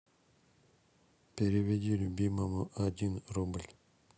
переведи любимому один рубль